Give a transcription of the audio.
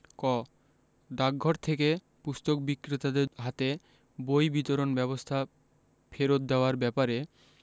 ক ডাকঘর থেকে পুস্তক বিক্রেতাদের হাতে বই বিতরণ ব্যবস্থা ফেরত দেওয়ার ব্যাপারে